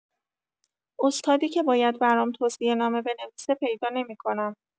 استادی که باید برام توصیه‌نامه بنویسه پیدا نمی‌کنم.